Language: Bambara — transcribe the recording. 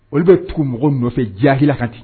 Olu bɛ tugu mɔgɔ nɔfɛ jahiliya kan te